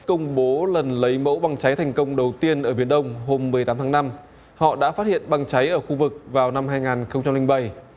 công bố lần lấy mẫu băng cháy thành công đầu tiên ở miền đông hôm mười tám tháng năm họ đã phát hiện băng cháy ở khu vực vào năm hai ngàn không trăm linh bảy